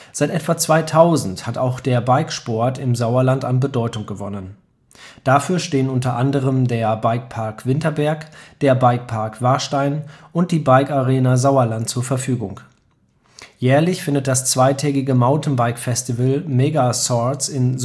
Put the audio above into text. Seit etwa 2000 hat auch der Bikesport im Sauerland an Bedeutung gewonnen. Dafür stehen unter anderem der Bikepark Winterberg, der Bikepark Warstein und die Bike Arena Sauerland zur Verfügung. Jährlich findet das zweitägige Mountainbike-Festival Mega Sorts in